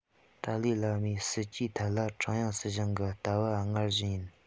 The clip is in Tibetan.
ཏཱ ལའི བླ མའི སྲིད ཇུས ཐད ལ ཀྲུང དབྱང སྲིད གཞུང གི ལྟ བ སྔར བཞིན ཡིན